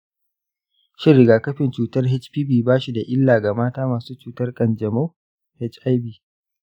shin rigakafin cutar hpv ba shi da illa ga mata masu cutar ƙanjamau hiv?